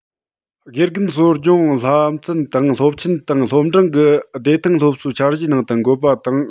དགེ རྒན གསོ སྦྱོང བསླབ ཚན དང སློབ ཆེན དང སློབ འབྲིང གི བདེ ཐང སློབ གསོའི འཆར གཞིའི ནང དུ འགོད པ དང